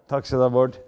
takk skal du ha Bård.